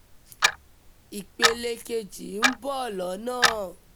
Ìpele kejì ń bọ̀ lọ́nà.